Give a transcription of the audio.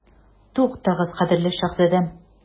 Туктагыз, кадерле шаһзадәм.